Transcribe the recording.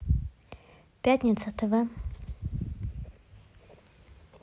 пятница тв